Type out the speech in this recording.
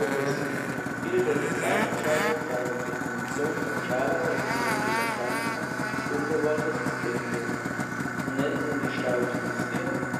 Robustheit Viele der Designentscheidungen bei der Definition von Java reduzieren die Wahrscheinlichkeit ungewollter Systemfehler: Zu nennen sind die starke Typisierung